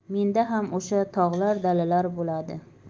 menda ham o'sha tog'lar dalalar bo'ladi